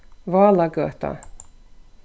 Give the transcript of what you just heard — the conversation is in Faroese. válagøta